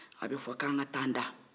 a bɛ fɔ ko an ka taa an da